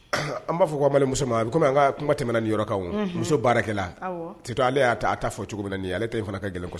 An b'a fɔ ko ni muso ma a bɛ komi an ka kuma tɛmɛna ni yɔrɔkaw muso baarakɛ titɔ ale y'a ta a taa fɔ cogo min ɲɛ ale tɛ in fana ka